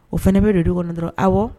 O fana bɛ de don kɔnɔ dɔrɔn aw wa